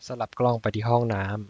สลับกล้องไปที่ห้องน้ำ